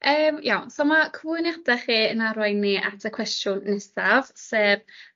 Yym iawn so ma' cyfwynida chi yn arwain ni at y cwestiwn nesaf sef